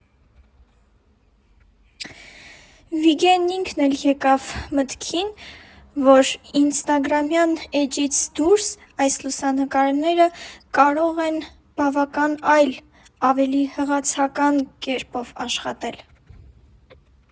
Վիգենն ինքն էլ եկավ այն մտքին, որ ինստագրամյան էջից դուրս այս լուսանկարները կարող են բավական այլ, ավելի հղացական կերպով աշխատել։